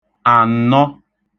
àǹnọ